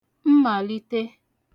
mmàlite